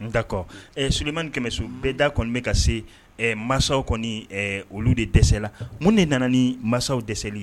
Dakɔ sulilima kɛmɛ sun bɛɛ da kɔni bɛ ka se mansaw kɔni olu de dɛsɛla mun de nana ni masaw dɛsɛli